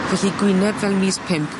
Felly Gwyneb fel mis pump.